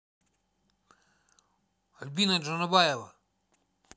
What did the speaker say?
альбина джанабаева